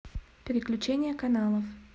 переключение каналов